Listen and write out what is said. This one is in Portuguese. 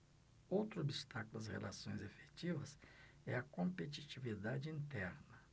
outro obstáculo às relações afetivas é a competitividade interna